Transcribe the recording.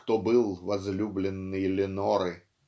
кто был возлюбленный Леноры.